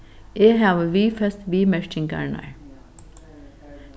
eg havi viðfest viðmerkingarnar